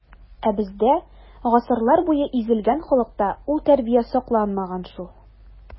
Ә бездә, гасырлар буе изелгән халыкта, ул тәрбия сакланмаган шул.